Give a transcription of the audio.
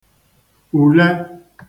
ule